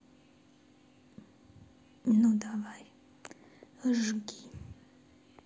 ну давай жги